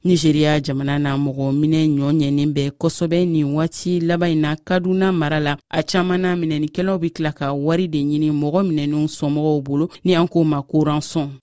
nizeriya jamana na mɔgɔminɛ ɲɔgɔn ɲɛnen bɛ kosɛbɛ nin waati laban in na kaduna mara la a caman na minɛkɛlaw bɛ tila ka wari de ɲini mɔgɔ minɛnen somɔgɔw bolo ni an ko o ma ko rancon